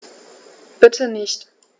Bitte nicht.